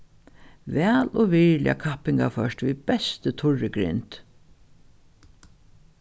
væl og virðiliga kappingarført við bestu turru grind